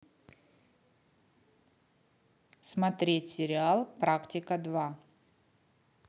смотреть сериал практика два